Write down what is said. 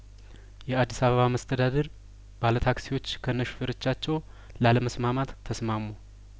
የአዲስ አበባ መስተዳደር ባለታክሲዎች ከነሹፌሮቻቸው ላለመስማማት ተስማሙ